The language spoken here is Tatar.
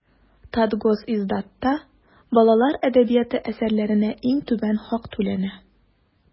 Татгосиздатта балалар әдәбияты әсәрләренә иң түбән хак түләнә.